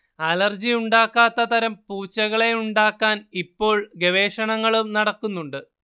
allergy ഉണ്ടാക്കാത്തതരം പൂച്ചകളെ ഉണ്ടാക്കാൻ ഇപ്പോൾ ഗവേഷണങ്ങളും നടക്കുന്നുണ്ട്